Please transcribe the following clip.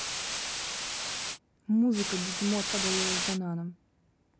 музыка бегемот подавилася бананом